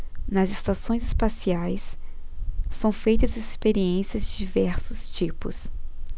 nas estações espaciais são feitas experiências de diversos tipos